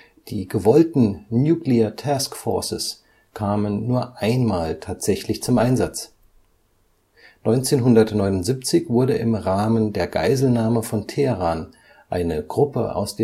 Die gewollten Nuclear Task-Forces kamen nur einmal tatsächlich zum Einsatz: 1979 wurde im Rahmen der Geiselnahme von Teheran eine Gruppe aus